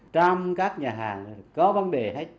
trong các nhà hàng có vấn đề hết